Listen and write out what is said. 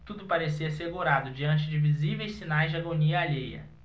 tudo parecia assegurado diante de visíveis sinais de agonia alheia